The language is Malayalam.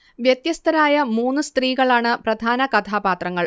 വ്യത്യസ്തരായ മൂന്ന് സ്ത്രീകളാണ് പ്രധാന കഥാപാത്രങ്ങൾ